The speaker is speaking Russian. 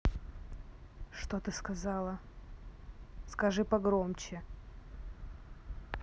что ты сказала скажи погромче